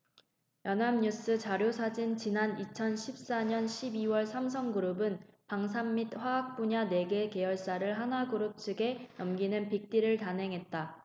연합뉴스 자료사진 지난 이천 십 사 년 십 이 월 삼성그룹은 방산 및 화학 분야 네 개 계열사를 한화그룹 측에 넘기는 빅딜을 단행했다